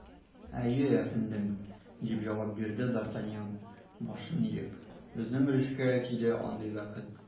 Әйе, әфәндем, - дип җавап бирде д’Артаньян, башын иеп, - безнең өлешкә тиде андый бәхет.